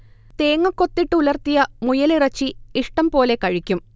തേങ്ങക്കൊത്തിട്ട് ഉലർത്തിയ മുയലിറച്ചി ഇഷ്ടം പോലെ കഴിക്കും